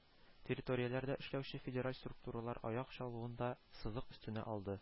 Территорияләрдә эшләүче федераль структуралар аяк чалуын да сызык өстенә алды